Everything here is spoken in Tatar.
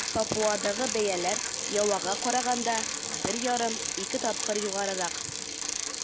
Папуадагы бәяләр Явага караганда 1,5-2 тапкыр югарырак.